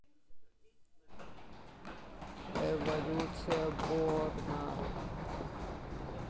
эволюция борна